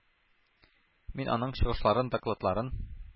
Мин аның чыгышларын, докладларын,